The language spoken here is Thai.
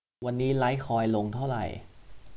วันนี้ไลท์คอยน์ลงเท่าไหร่